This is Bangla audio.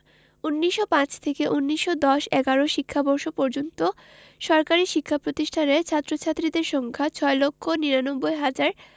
১৯০৫ থেকে ১৯১০ ১১ শিক্ষাবর্ষ পর্যন্ত সরকারি শিক্ষা প্রতিষ্ঠানের ছাত্র ছাত্রীদের সংখ্যা ৬ লক্ষ ৯৯ হাজার